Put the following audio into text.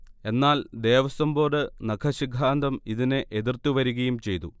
എന്നാൽ, ദേവസ്വം ബോർഡ് നഖശിഖാന്തം ഇതിനെ എതിർത്തു വരികയും ചെയ്തു